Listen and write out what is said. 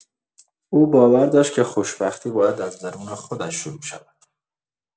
او باور داشت که خوشبختی باید از درون خودش شروع شود.